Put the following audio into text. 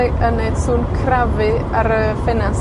i yn neud sŵn crafu ar y ffenast.